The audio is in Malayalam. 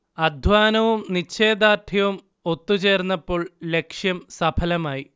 അധ്വാനവും നിശ്ചയദാർഢ്യവും ഒത്തു ചേർന്നപ്പോൾ ലക്ഷ്യം സഫലമായി